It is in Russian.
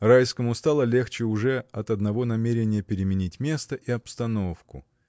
Райскому стало легче уже от одного намерения переменить место и обстановку.